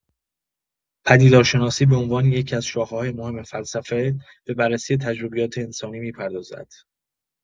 پدیدارشناسی به عنوان یکی‌از شاخه‌های مهم فلسفه، به بررسی تجربیات انسانی می‌پردازد.